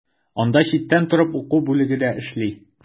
Анда читтән торып уку бүлеге дә эшли.